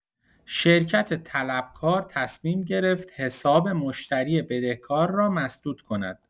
شرکت طلبکار تصمیم گرفت حساب مشتری بدهکار را مسدود کند.